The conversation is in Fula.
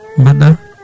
mbaɗɗa